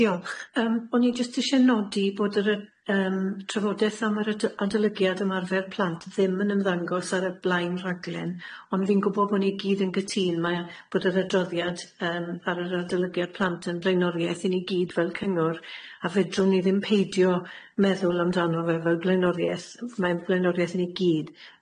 Diolch yym o'n i jyst ishe nodi bod yr yym trafodeth am yr ad- adolygiad ymarfer plant ddim yn ymddangos ar y blaen rhaglen ond fi'n gwbo bo ni gyd yn cytun mae a- bod yr adroddiad yym ar yr adolygiad plant yn flaenoriaeth i ni gyd fel cyngor a fedrwn ni ddim peidio meddwl amdano fe fel blaenoriaeth m- mae'n blaenoriaeth i ni gyd.